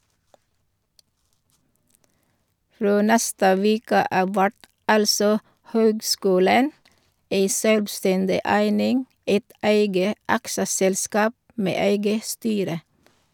Frå neste veke av vert altså høgskulen ei sjølvstendig eining, eit eige aksjeselskap med eige styre.